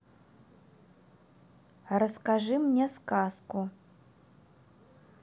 расскажи мне сказку